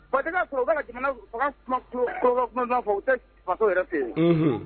Ba u fɔ u tɛ faso yɛrɛ se yen